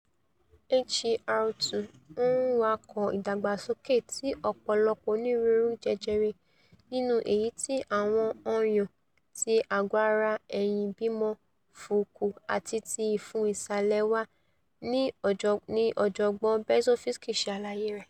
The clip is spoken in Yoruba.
HER2 ''ńwakọ̀ ìdàgbàsókè ti ọ̀pọ̀lọpọ̀ onírúurú jẹjẹrẹ,'' nínú èyití ti àwọn ọyàn, tí àgọ́-ara ẹyin ìbímọ, fùùkû ati tí ìfun ìsàlẹ̀ wà, ni Ọ̀jọ̀gbọ́n Berzofsky ṣe àlàyé rẹ̀.